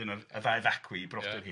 Dyna'r y ddau ddacwi, i brodyr hi.